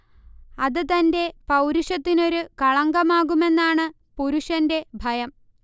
അത് തന്റെ പൌരുഷത്തിനൊരു കളങ്കമാകുമെന്നാണ് പുരുഷന്റെ ഭയം